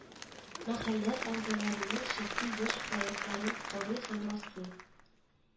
Мәхәллә әгзаләренең шәхси еш пройыктларын карый һәм раслый